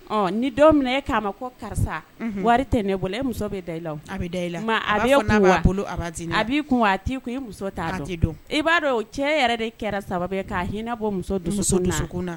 Ni don min e k'a ma ko karisa waati tɛ ne bolo e muso bɛ dayi a bɛ dayi aa bolo a b'i kun t' e muso ta dɔn i b'a dɔn cɛ yɛrɛ de kɛra saba ka'a hinɛina bɔ muso donsoso